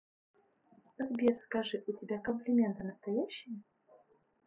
сбер скажи у тебя комплименты настоящий